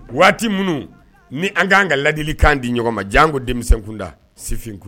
Waati minnu ni an k ka kanan ka ladili kan di ɲɔgɔn ma janko denmisɛnninkunda sifin kun